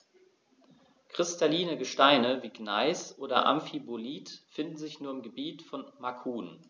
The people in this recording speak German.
Kristalline Gesteine wie Gneis oder Amphibolit finden sich nur im Gebiet von Macun.